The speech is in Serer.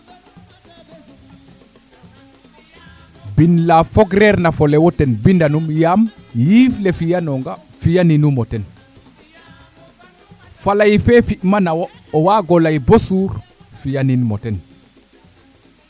bin la fogeer na fo'ole wo ten binda num yaam yiif le fiya nonga fiya ninum o ten faley fe fima na wo o waago ley bo suur fiya nin mo ten